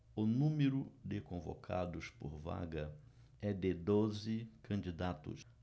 o número de convocados por vaga é de doze candidatos